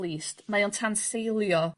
...least mae o'n tanseilio...